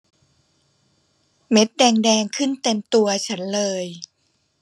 เม็ดแดงแดงขึ้นเต็มตัวฉันเลย